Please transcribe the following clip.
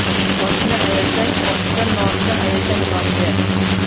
oshni ayasang oshga nonni ayasang nonga